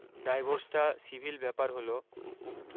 ডাইভোর্সটা civil ব্যাপার হলো